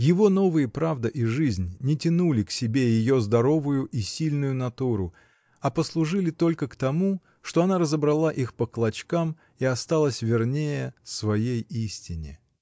Его новые правда и жизнь не тянули к себе ее здоровую и сильную натуру, а послужили только к тому, что она разобрала их по клочкам и осталась вернее своей истине.